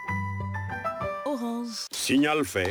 Si y' fɛ